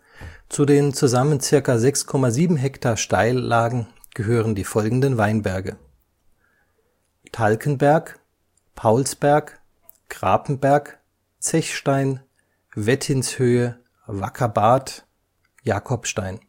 ha. Zu den zusammen circa 6,7 ha Steillagen gehören die folgenden Weinberge: Talkenberg Paulsberg Krapenberg Zechstein Wettinshöhe Wackerbarth Jacobstein